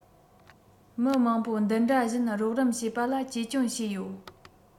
མི མང པོ འདི འདྲ བཞིན རོགས རམ བྱེད པ ལ གཅེས སྐྱོང བྱས ཡོད